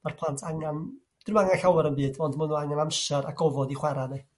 ma'r plant angan 'dyn nhw 'i'm angen llawer o'm fyd ond ma' nhw angen amsar a gofod i chwara'n 'i.